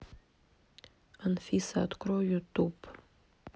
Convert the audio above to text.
анфиса открой ютуб